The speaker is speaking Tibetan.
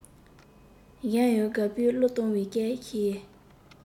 གཞན ཡང དགའ པོའི གླུ གཏོང བའི སྐད ཤེད